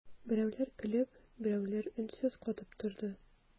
Берәүләр көлеп, берәүләр өнсез катып торды.